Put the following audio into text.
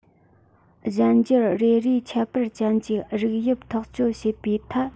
གཞན འགྱུར རེ རེའི ཁྱད པར ཅན གྱི རིགས དབྱིབས ཐག གཅོད བྱེད པའི ཐད